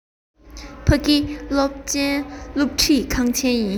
ཕ གི གློག ཅན སློབ ཁྲིད ཁང ཆེན ཡིན